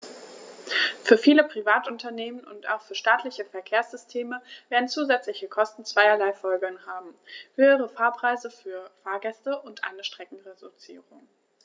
Für viele Privatunternehmen und auch für staatliche Verkehrssysteme werden zusätzliche Kosten zweierlei Folgen haben: höhere Fahrpreise für Fahrgäste und eine Streckenreduzierung.